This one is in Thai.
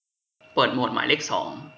เปิดโหมดหมายเลขสอง